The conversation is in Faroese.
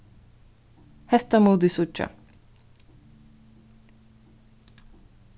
hetta mugu tit síggja